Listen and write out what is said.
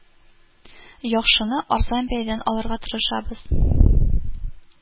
Яхшыны арзан бәядән алырга тырышабыз